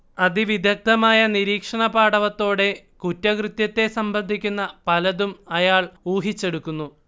അതിവിദഗ്ദ്ധമായ നിരീക്ഷണപാടവത്തോടെ കുറ്റകൃത്യത്തെ സംബന്ധിക്കുന്ന പലതും അയാൾ ഊഹിച്ചെടുക്കുന്നു